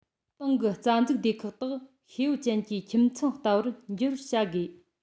ཏང གི རྩ འཛུགས སྡེ ཁག དག ཤེས ཡོན ཅན གྱི ཁྱིམ ཚང ལྟ བུར འགྱུར བར བྱ དགོས